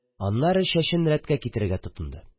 Аннары чәчен рәткә китерергә тотынды.